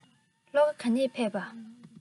ལྷོ ཁ ག ནས ཕེབས པ